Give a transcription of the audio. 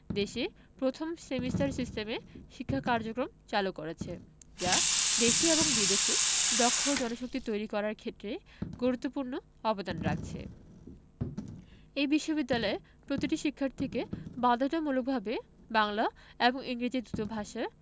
দেশের প্রথম সেমিস্টার সিস্টেমে শিক্ষা কার্যক্রম চালু করেছে যা দেশে এবং বিদেশে দক্ষ জনশক্তি তৈরি করার ক্ষেত্রে গুরুত্বপূর্ণ অবদান রাখছে এই বিশ্ববিদ্যালয়ে প্রতিটি শিক্ষার্থীকে বাধ্যতামূলকভাবে বাংলা এবং ইংরেজি দুটো ভাষা